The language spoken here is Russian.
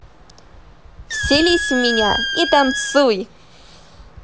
вселись в меня и танцуй